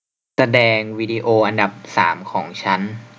แสดงวิดีโออันดับสามของฉัน